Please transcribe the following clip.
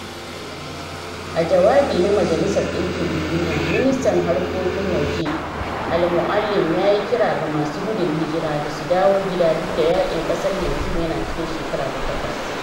A jawabi na Majalisar ɗinkin Duniya, Ministan Harkokin Waje al-Moualem yayi kira ga masu gudun hijira da su dawo gida, duk da yaƙin ƙasar yanzu yana cikin shekara ta takwas.